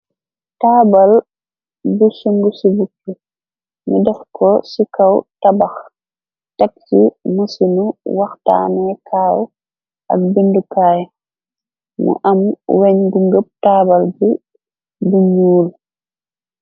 Taabal bu singu ci bukki dox ko ci kaw tabax tek ci mësinu waxtaane kaaw ak bindukaay mu am weñ bu ngëp taabal bi bu njuul.